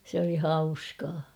se oli hauskaa